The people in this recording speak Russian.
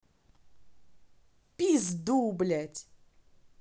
пизду блядь